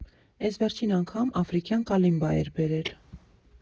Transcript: Էս վերջին անգամ աֆրիկյան կալիմբա էր բերել։